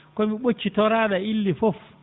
ko mi ɓoccitoraaɗo inɗe fof